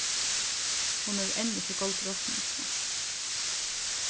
hon hevur enn ikki goldið rokningina